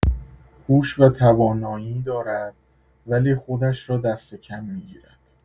هوش و توانایی دارد ولی خودش را دست‌کم می‌گیرد.